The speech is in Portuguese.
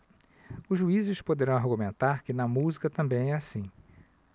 os juízes poderão argumentar que na música também é assim